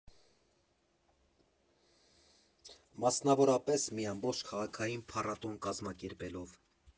Մասնավորապես՝ մի ամբողջ քաղաքային փառատոն կազմակերպելով։